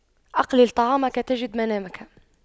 أقلل طعامك تجد منامك